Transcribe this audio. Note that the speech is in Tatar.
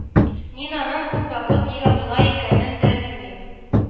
Мин аның күп вакыт нигә болай икәнен дә белмим